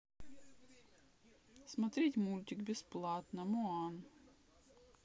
смотреть мультик бесплатно моан